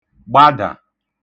gbaḋà